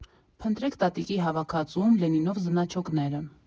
Փնտրեք տատիկի հավաքածուում Լենինով «զնաչոկները»